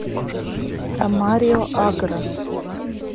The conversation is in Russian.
ромарио агро